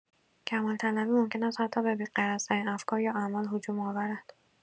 کمال‌طلبی ممکن است حتی به بی‌غرض‌ترین افکار یا اعمال هجوم آورد.